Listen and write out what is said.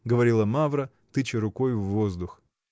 — говорила Мавра, тыча рукой в воздух.